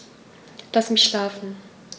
Lass mich schlafen